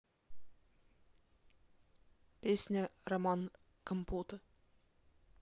песня роман компота